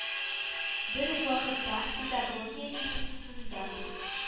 Бер үк вакытта педагогия институтында